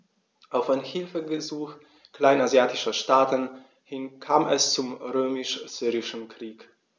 Auf ein Hilfegesuch kleinasiatischer Staaten hin kam es zum Römisch-Syrischen Krieg.